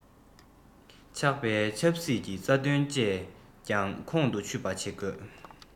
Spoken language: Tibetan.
ཆགས པའི ཆབ སྲིད ཀྱི རྩ དོན བཅས ཀྱང ཁོང དུ ཆུད པ བྱེད དགོས